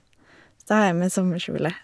Så da har jeg med sommerskjole.